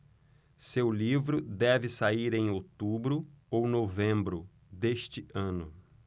seu livro deve sair em outubro ou novembro deste ano